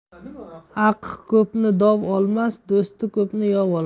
aqh ko'pni dov olmas do'sti ko'pni yov olmas